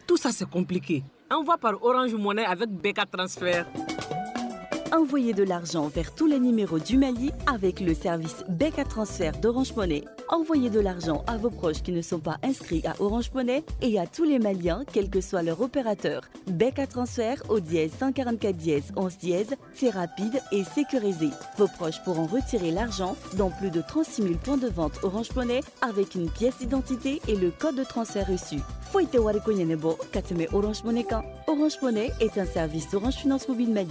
Tu anfaɛ kaya anw fɔyedo laz fɛ tulen ni min fɔ ji ye aw fɛ kika tɔnɛ anwyedo lazson aw bɛ kɔksoba ans osɛ e y'atulen malili yan kisoɛlɛ op ka to bɛɛ kasɛ o de 1kakɛ7c7ye fɛ bi seeezeppsɛ zson dɔnkilipurdo tɔnonstɔn os2nen aw bɛk7si 7te kɔdo tɔnsɛrosi foyi tɛ warikoy bɔ ka tɛmɛ osnen kan ospnen et s2 ssonaso bɛ bɛ